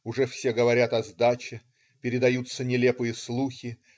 Уже все говорят о сдаче, передаются нелепые слухи.